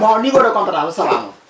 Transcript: waaw niveau de compétence bi ça va moom